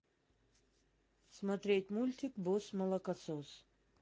смотреть мультик босс молокосос